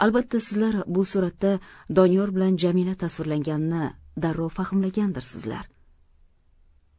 albatta sizlar bu suratda doniyor bilan jamila tasvirianganini darrov fahmlagandirsizlar